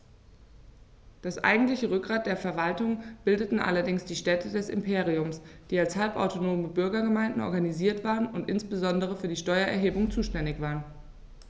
Das eigentliche Rückgrat der Verwaltung bildeten allerdings die Städte des Imperiums, die als halbautonome Bürgergemeinden organisiert waren und insbesondere für die Steuererhebung zuständig waren.